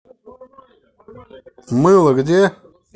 мыло где